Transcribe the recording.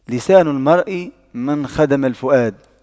لسان المرء من خدم الفؤاد